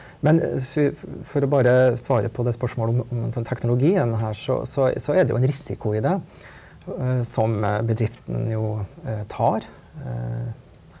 men for å bare svare på det spørsmålet om om teknologien her så så så er det jo en risiko i det som bedriften jo tar .